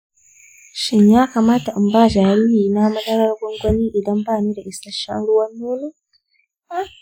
shin ya kamata in ba jaririna madarar gwangwani idan ba ni da isasshen ruwan nono?